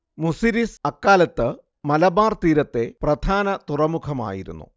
മുസിരിസ് അക്കാലത്ത് മലബാർ തീരത്തെ പ്രധാന തുറമുഖമായിരുന്നു